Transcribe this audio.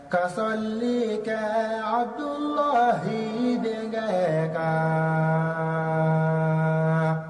Ka soli kɛ Abudulahi denkɛ kan